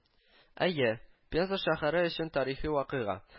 Әйе, Пенза шәһәре өчен тарихи вакыйга: